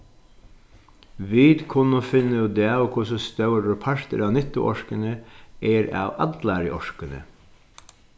vit kunnu finna út av hvussu stórur partur av nyttuorkuni er av allari orkuni